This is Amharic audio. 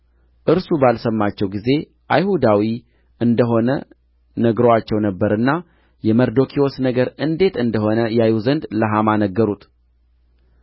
እርሱ ባልሰማቸው ጊዜ አይሁዳዊ እንደ ሆነ ነግሮአቸው ነበርና የመርዶክዮስ ነገር እንዴት እንደ ሆነ ያዩ ዘንድ ለሐማ ነገሩት